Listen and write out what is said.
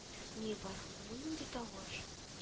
- ни бар, бу нинди тавыш